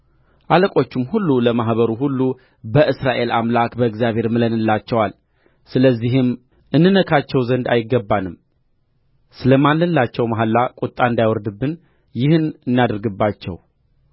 አለቆቹም ሁሉ ለማኅበሩ ሁሉ በእስራኤል አምላክ በእግዚአብሔር ምለንላቸዋል ስለዚህም እንነካቸው ዘንድ አይገባንም ስለ ማልንላቸው መሓላ ቍጣ እንዳይወርድብን ይህን እናድርግባቸው